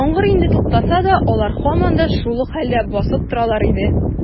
Яңгыр инде туктаса да, алар һаман да шул ук хәлдә басып торалар иде.